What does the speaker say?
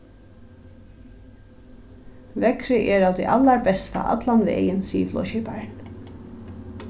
veðrið er av tí allarbesta allan vegin sigur flogskiparin